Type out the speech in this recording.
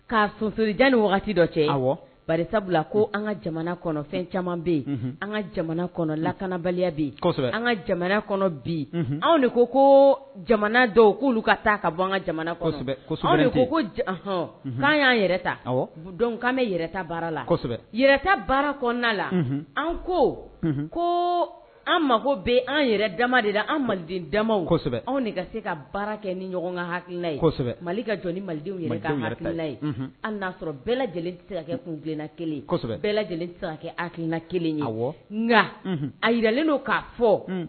Ka sonrijan ni dɔ cɛ barika ko an ka jamanafɛn caman bɛ yen an ka jamana kɔnɔ lakanabaliya an ka jamana kɔnɔ bi anw de ko ko jamana dɔw k'olu ka taa ka bɔ an kasɛbɛ koɔn y'an yɛrɛ ta an bɛ yɛrɛ baara la yɛrɛta baara la an ko ko an mago bɛ an yɛrɛ da de an mande damasɛbɛ anw de ka se ka baara kɛ ni ɲɔgɔn ka hakilinayesɛbɛ mali ka ni malidenw yɛrɛla an'a sɔrɔ bɛɛ lajɛlen saraka kunna lajɛlen saraka kɛ hakiina kelen nka a jiralen''a fɔ